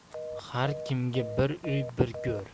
har kimga bir uy bir go'r